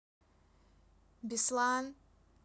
беслан